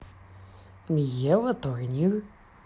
ева турнир